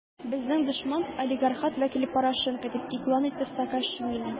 Безнең дошман - олигархат вәкиле Порошенко, - дип игълан итте Саакашвили.